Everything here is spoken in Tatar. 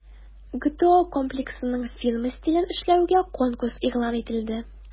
ГТО Комплексының фирма стилен эшләүгә конкурс игълан ителде.